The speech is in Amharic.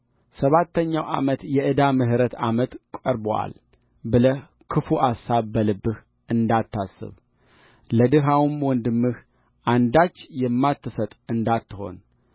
ሰባተኛው ዓመት የዕዳ ምሕረት ዓመት ቀርቦአል ብለህ ክፉ አሳብ በልብህ እንዳታስብ ለድሀውም ወንድምህ አንዳች የማትሰጥ እንዳትሆን